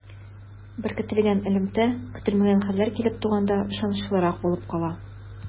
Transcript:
Беркетелгән элемтә көтелмәгән хәлләр килеп туганда ышанычлырак булып кала.